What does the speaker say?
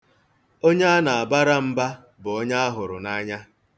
Onye a na-abara mba bụ onye a hụrụ n'anya.